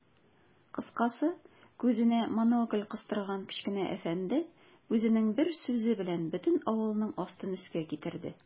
Кыскасы, күзенә монокль кыстырган кечкенә әфәнде үзенең бер сүзе белән бөтен авылның астын-өскә китерде.